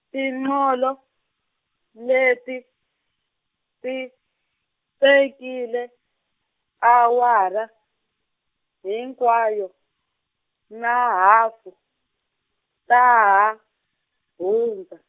tinqolo, leti, ti, tekile, awara, hinkwayo, na hafu, ta ha, hundza.